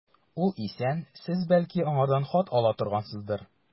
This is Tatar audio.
Ул исән, сез, бәлки, аңардан хат ала торгансыздыр.